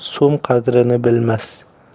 so'm qadrini bilmas